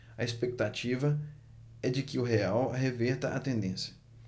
a expectativa é de que o real reverta a tendência